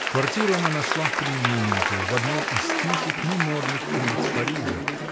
Квартиру она нашла премиленькую, в одной из тихих, но модных улиц Парижа